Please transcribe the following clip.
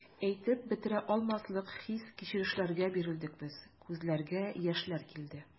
Әйтеп бетерә алмаслык хис-кичерешләргә бирелдек без, күзләргә яшьләр килде.